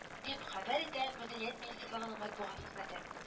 Дип хәбәр итә мәдәният министрлыгының матбугат хезмәте